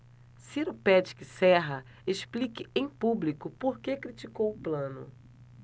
ciro pede que serra explique em público por que criticou plano